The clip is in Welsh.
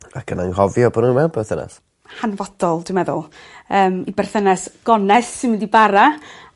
Ac yn anghofio bo' n'w mewn perthynas. Hanfodol dwi meddwl yym i perthynas gonest sy mynd i bara